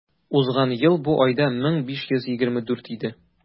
Узган ел бу айда 1524 иде.